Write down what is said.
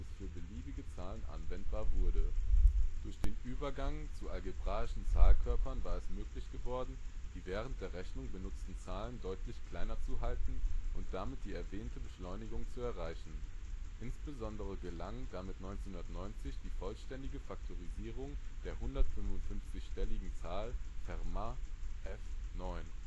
für beliebige Zahlen anwendbar wurde. Durch den Übergang zu algebraischen Zahlkörpern war es möglich geworden, die während der Rechnung benutzten Zahlen deutlich kleiner zu halten und damit die erwähnte Beschleunigung zu erreichen. Insbesondere gelang damit 1990 die vollständige Faktorisierung der 155-stelligen Fermat-Zahl F9